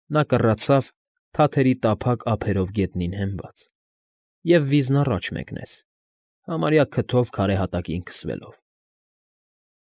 Նա կռացավ՝ թաթերի տափակ ափերով գետնին հենված, և վիզն առաջ մեկնեց, համարյա քթով քարե հատակին քսվելով։